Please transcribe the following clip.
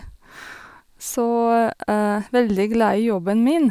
Så, veldig glad i jobben min.